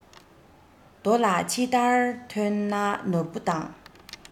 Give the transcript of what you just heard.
རྡོ ལ ཕྱི བདར ཐོན ན ནོར བུ དང